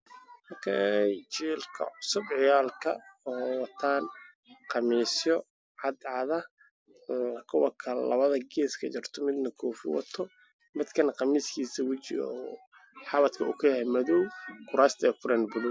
Waa arday oo fadhiyaan kuraas buluug ah waxa ay wataan khamiisyocaddaan waana meel madarasa ah